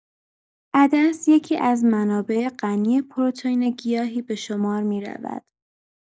عدس یکی‌از منابع غنی پروتئین گیاهی به شمار می‌رود.